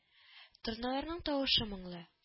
Торналарның тавышы моңлы